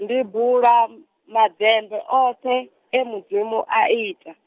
ndi bula, m- maḓembe oṱhe, e Mudzimu aita.